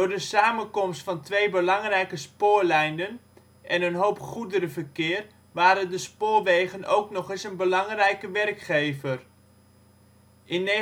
de samenkomst van twee belangrijke spoorlijnen en een hoop goederenverkeer waren de spoorwegen ook nog eens een belangrijke werkgever. In 1955